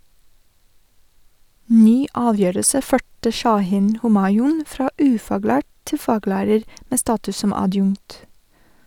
Ny avgjørelse førte Shahin Homayoun fra ufaglært til faglærer med status som adjunkt.